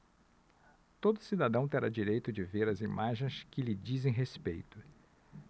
todo cidadão terá direito de ver as imagens que lhe dizem respeito